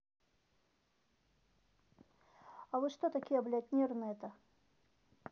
а вы что такие блядь нервные то